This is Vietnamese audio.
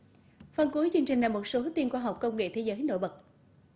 phần cuối chương trình là một số tin khoa học công nghệ thế giới nổi bật